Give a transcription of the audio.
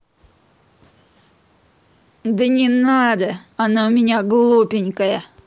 да не надо она у меня глупенькая